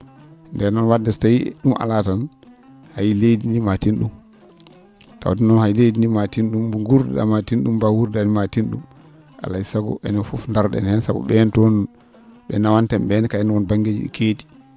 ndeen noon wadde so tawii ?um alaa tan hay leydi ndii ma tin ?um tawde noon hay leydi ndii ma tin?um mo guurda?aa ma tin ?um ma wuurdaani ma tin ?um alaa e sago enen fof daaro ?en heen sabu ?en toon ?e nawanten ?eene kayne woon ba?ngeeji ?i keedi